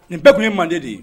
Nin bɛɛ tun ye manden de ye